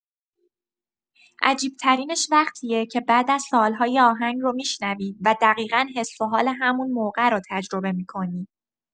عجیب‌ترینش وقتیه که بعد از سال‌ها یه آهنگ رو می‌شنوی و دقیقا حس و حال همون موقع رو تجربه می‌کنی.